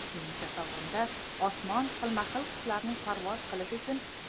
mening tasavvurimda osmon xilma xil qushlarning parvoz qilishi uchun